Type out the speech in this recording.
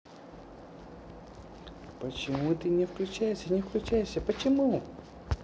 почему ты не включайся не включайся почему